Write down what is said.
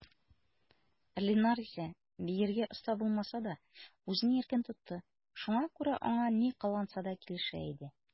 Линар исә, биергә оста булмаса да, үзен иркен тотты, шуңа күрә аңа ни кыланса да килешә иде.